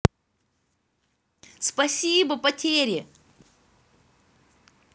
спасибо потери